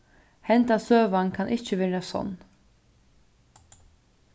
henda søgan kann ikki vera sonn